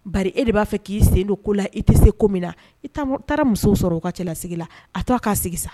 Ba e de b'a fɛ k'i sen don ko la i tɛ se ko min na taara musow sɔrɔ u ka cɛla sigi la a'a sigi san